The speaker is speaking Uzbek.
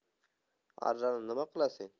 arrani nima qilasen